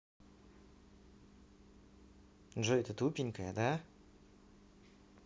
джой ты тупенькая да